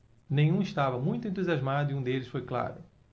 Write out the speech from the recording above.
nenhum estava muito entusiasmado e um deles foi claro